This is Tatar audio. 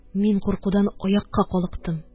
Мин куркудан аякка калыктым.